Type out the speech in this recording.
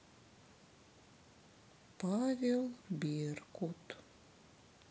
павел беркут